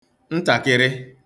ntàkịrị